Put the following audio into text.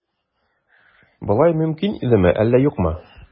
Болай мөмкин идеме, әллә юкмы?